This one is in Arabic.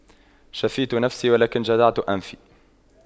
شفيت نفسي ولكن جدعت أنفي